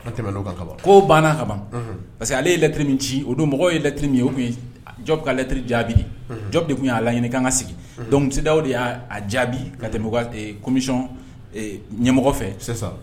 An tɛmɛn'o kan ka ban , o ko banna kaban, unhun, parce que ale ye lettre min ci o don mɔgɔw ye lettre min ye o tun Jɔp ka lettre jaabi de ye , unhun, Jɔp de tun y'a laɲini k'a ka sigi donc, CEDEAO de y'a jaabi ka tɛmɛ u ka commsisɔn ɲɛmɔgɔ fɛ.